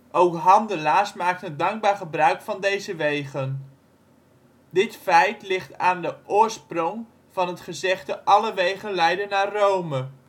Ook handelaars maakten dankbaar gebruik van deze wegen. Dit feit ligt aan de oorsprong van het gezegde " alle wegen leiden naar Rome